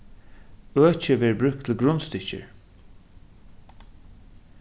økið verður brúkt til grundstykkir